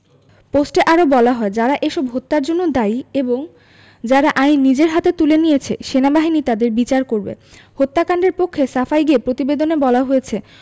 পোস্টে আরো বলা হয় যারা এসব হত্যার জন্য দায়ী এবং যারা আইন নিজের হাতে তুলে নিয়েছে সেনাবাহিনী তাদের বিচার করবে হত্যাকাণ্ডের পক্ষে সাফাই গেয়ে প্রতিবেদনে বলা হয়েছে